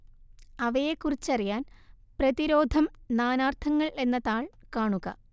അവയെക്കുറിച്ചറിയാന്‍ പ്രതിരോധം നാനാര്‍ത്ഥങ്ങള്‍ എന്ന താള്‍ കാണുക